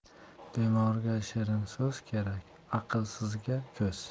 bemorga shirin so'z kerak aqlsizga ko'z